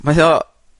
mae o